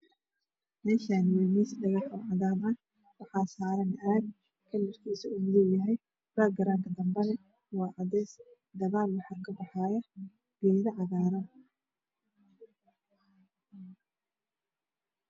Meeshaani waa miis oo cadaan ah waxaa saaran caag kalarkiisu madow yahay background danbana waa cadays gadaal waxaa ka baxaayo geedo cagaaran